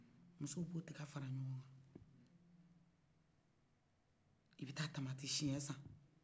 musow b'o tigɛ fara ɲɔgɔn gan i bɛ taga tomati shɛn san